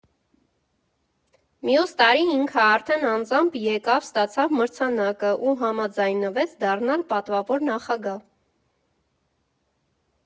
Մյուս տարի ինքը արդեն անձամբ եկավ, ստացավ մրցանակը ու համաձայնվեց դառնալ պատվավոր նախագահ։